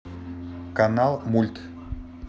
канал мульт